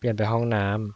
เปลี่ยนไปห้องน้ำ